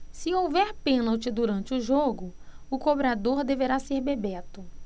se houver pênalti durante o jogo o cobrador deverá ser bebeto